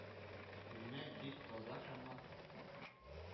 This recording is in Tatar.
Бүлмә бик таза һәм матур